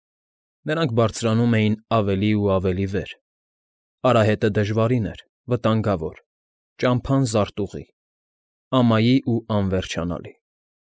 Նրանք բարձրանում էին ավելի ու ավելի վեր, արահետը դժվարին էր, վտանգավոր, ճամփան զարտուղի, ամայի ու անվերջանալի։